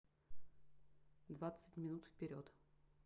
двадцать минут вперед